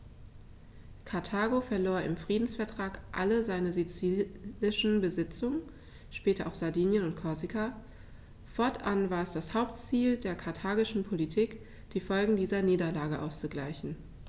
Karthago verlor im Friedensvertrag alle seine sizilischen Besitzungen (später auch Sardinien und Korsika); fortan war es das Hauptziel der karthagischen Politik, die Folgen dieser Niederlage auszugleichen.